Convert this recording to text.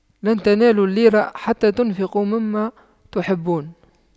لَن تَنَالُواْ البِرَّ حَتَّى تُنفِقُواْ مِمَّا تُحِبُّونَ